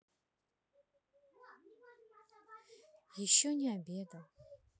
еще не обедал